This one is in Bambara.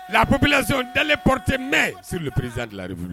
laplasi dalen pte mɛn selibipreriz ribu